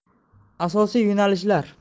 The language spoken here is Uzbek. asosiy yo'nalishlar